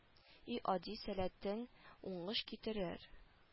И ади сәләтең уңыш китерер